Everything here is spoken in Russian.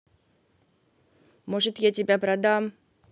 может я тебя продам